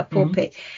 a pope-